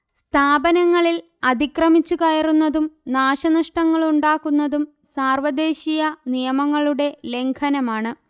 സ്ഥാപനങ്ങളിൽ അതിക്രമിച്ചുകയറുന്നതും നാശനഷ്ടങ്ങളുണ്ടാക്കുന്നതും സാർവദേശീയ നിയമങ്ങളുടെ ലംഘനമാണ്